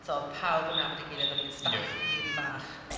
So oedd pawb yn nabod ei gilydd, o'n ni'n staff... ie. ...rili fach.